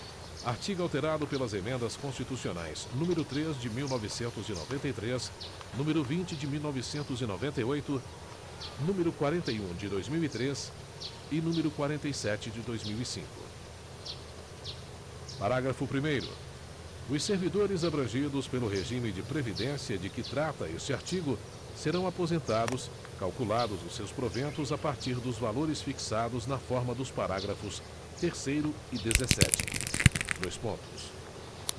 artigo alterado pela emenda constitucional número três de mil novecentos e noventa e três número vinte de mil novecentos e noventa e oito quarenta e um de dois mil e três e número quarenta e sete de dois mil e cinco parágrafo primeiro os servidores abrangidos pelo regime de previdência de que trata este artigo serão aposentados calculados os seus proventos a partir dos valores fixados na forma dos parágrafo terceiro e dezessete dois pontos